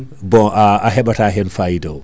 bon a a heɓata hen faayida o